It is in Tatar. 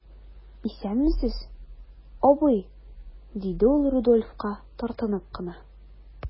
Исәнмесез, абый,– диде ул Рудольфка, тартынып кына.